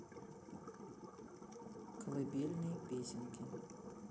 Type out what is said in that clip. колыбельные песенки